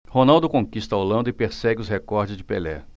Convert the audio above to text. ronaldo conquista a holanda e persegue os recordes de pelé